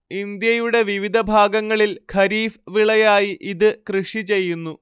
ഇന്ത്യയുടെ വിവിധ ഭാഗങ്ങളിൽ ഖരീഫ് വിളയായി ഇത് കൃഷിചെയ്യുന്നു